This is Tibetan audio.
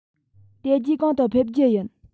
དེ རྗེས གང དུ ཕེབས རྒྱུ ཡིན